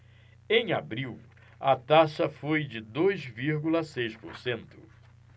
em abril a taxa foi de dois vírgula seis por cento